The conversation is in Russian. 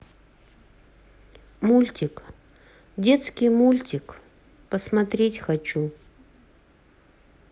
мультик детский мультик посмотреть хочу